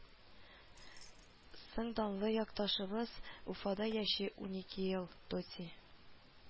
Соң данлы якташыбыз уфада яши, унике ел доти